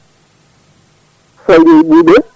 fayiɗo e Ɓouɓe